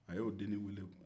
a y'o denin weele